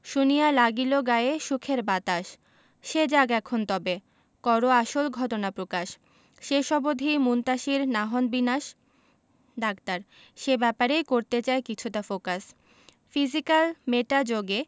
শুনিয়া লাগিল গায়ে সুখের বাতাস সে যাক এখন তবে করো আসল ঘটনা প্রকাশ শেষ অবধি মুনতাসীর না হন বিনাশ ডাক্তার সে ব্যাপারেই করতে চাই কিছুটা ফোকাস ফিজিক্যাল মেটা যোগে